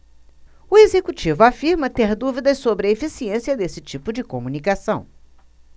o executivo afirma ter dúvidas sobre a eficiência desse tipo de comunicação